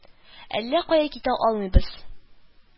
Әллә кая китә алмыйбыз